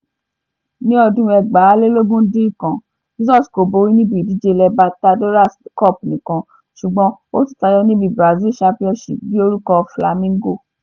Ní ọdún 2019, Jesus kò borí níbi ìdíje Libertadores Cup nìkan, ṣùgbọ́n ó tún tayọ níbi Brazilian Championship bíi olùkọ́ Flamengo.